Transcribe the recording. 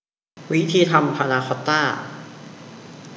วิธีทำพานาคอตต้า